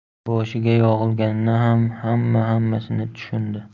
boshiga yog'ilganini ham hamma hammasini tushundi